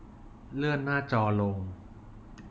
เลื่อนหน้าจอลง